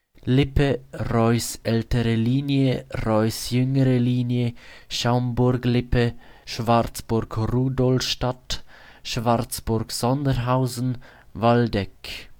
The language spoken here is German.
Lippe, Reuß ältere Linie, Reuß jüngere Linie, Schaumburg-Lippe, Schwarzburg-Rudolstadt, Schwarzburg-Sondershausen. Waldeck